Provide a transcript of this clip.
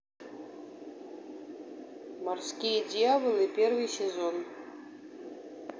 морские дьяволы первый сезон